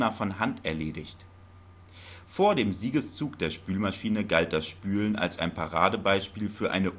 von Hand erledigt. Vor dem Siegeszug der Spülmaschine galt das Spülen als ein Paradebeispiel für eine